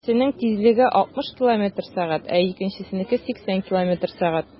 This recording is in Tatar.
Берсенең тизлеге 60 км/сәг, ә икенчесенеке - 80 км/сәг.